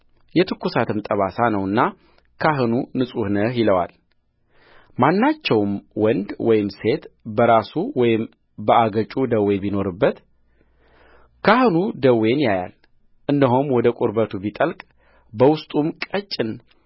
የትኵሳትም ጠባሳ ነውና ካህኑ ንጹሕ ነው ይለዋልማናቸውም ወንድ ወይም ሴት በራሱ ወይም በአገጩ ደዌ ቢኖርበትካህኑ ደዌውን ያያል እነሆም ወደ ቁርበቱ ቢጠልቅ በውስጡም ቀጭን